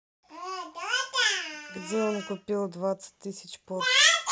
где он купил двадцать тысяч порш